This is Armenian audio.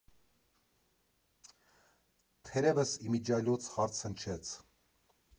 Թերևս իմիջիայլոց հարց հնչեց.